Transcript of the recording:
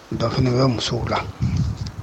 Dɔ fɛnɛ bɛ musow la